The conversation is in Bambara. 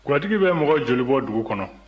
gatigi bɛ mɔgɔ joli bɔ dugu kɔnɔ